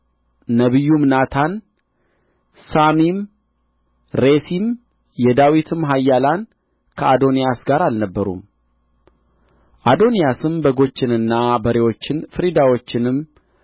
ነቢዩም ናታን ሳሚም ሬሲም የዳዊትም ኃያላን ከአዶንያስ ጋር አልነበሩም አዶንያስም በጎችንና በሬዎችን ፍሪዳዎችንም